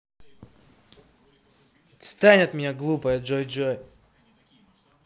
отстань от меня глупая джой джой